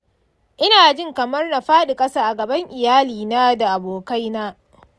ina jin kamar na fadi kasa a gaban iyalina da abokaina.